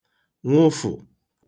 nwụfụ̀